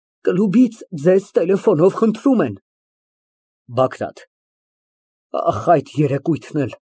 Կլուբից ձեզ տելեֆոնով խնդրում են։ ԲԱԳՐԱՏ ֊ Ահ, այդ երեկույթն էր։